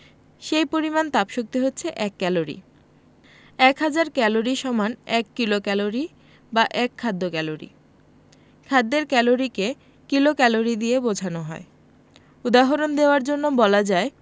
সে পরিমাণ তাপশক্তি হচ্ছে এক ক্যালরি এক হাজার ক্যালরি সমান এক কিলোক্যালরি বা এক খাদ্য ক্যালরি খাদ্যের ক্যালরিকে কিলোক্যালরি দিয়ে বোঝানো হয় উদাহরণ দেয়ার জন্যে বলা যায়